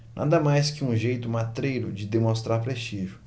nada mais que um jeito matreiro de demonstrar prestígio